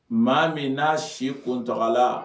Maa min n'a se ko tɔgɔla